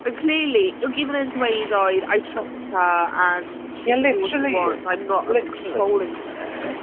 But clearly, i gyd oedd e'n dweud oedd, "I trust her. And she can do what she wants. I'm not like controlling her."